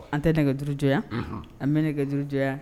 An tɛ nɛgɛ duurujɛ yan an bɛ ne jurujɛ